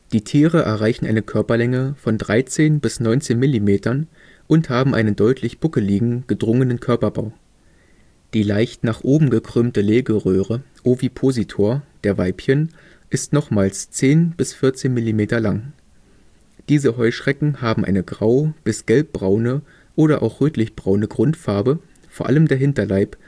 Die Tiere erreichen eine Körperlänge von 13 bis 19 Millimetern und haben einen deutlich buckeligen, gedrungenen Körperbau. Die leicht nach oben gekrümmte Legeröhre (Ovipositor) der Weibchen ist nochmals 10 bis 14 Millimeter lang. Diese Heuschrecken haben eine grau - bis gelbbraune oder auch rötlichbraune Grundfarbe, vor allem der Hinterleib